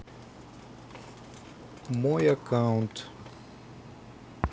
мой аккаунт